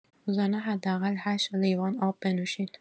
روزانه حداقل ۸ لیوان آب بنوشید.